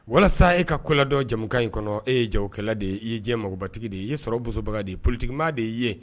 Walasa e ka kola dɔ jamana in kɔnɔ e ye jakɛla de ye i'i jɛ magobatigi de ye sɔrɔusobaga de politigimaa de ye